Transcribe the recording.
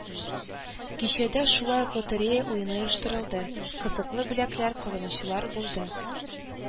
Кичәдә шулай ук лотерея уены оештырылды, кызыклы бүләкләр казанучылар булды